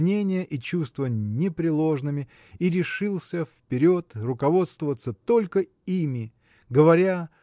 мнения и чувства непреложными и решился вперед руководствоваться только ими говоря